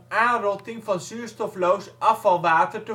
aanrotting van zuurstofloos afvalwater